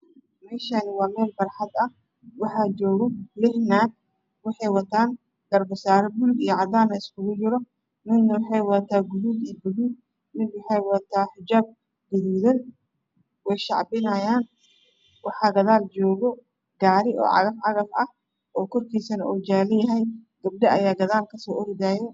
Meeshaan waa meel barxad ah waxaa joogo lix naag waxay wataan garbosaaro bulug iyo cadaan ah. Midna waxay wataa buluug iyo gaduud midna waxay wataa xijaab gaduudan way sacabinayaan. Waxaa gadaal joogo gaari cagaf cagaf ah oo korkiisa jaalo yahay gabdho ayaa gadaal ka soo ordaayo.